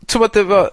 T'mod efo,